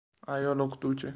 ayol o'qituvchi